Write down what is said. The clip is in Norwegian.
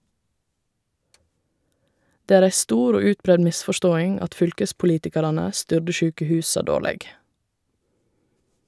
Det er ei stor og utbreidd misforståing at fylkespolitikarane styrde sjukehusa dårleg.